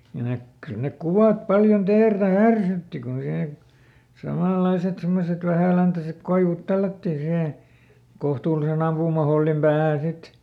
kyllä - kyllä ne kuvat paljon teertä härsytti kun siihen samanlaiset semmoiset vähäläntäiset koivut tällättiin siihen kohtuullisen ampumahollin päähän sitten